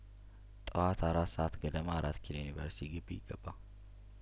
ጠዋት አራት ሰአት ገደማ አራት ኪሎ ዩኒቨርስቲ ግቢ ገባ